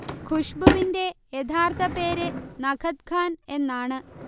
ഖുശ്ബുവിന്റെ യഥാർഥ പേര് നഖത് ഖാൻ എന്നാണ്